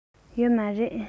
ཡོད མ རེད